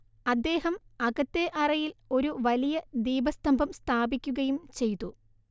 അദ്ദേഹം അകത്തെ അറയിൽ ഒരു വലിയ ദീപസ്തംഭം സ്ഥാപിക്കുകയും ചെയ്തു